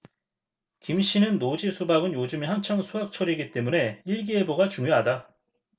김씨는 노지 수박은 요즘이 한창 수확철이기 때문에 일기예보가 중요하다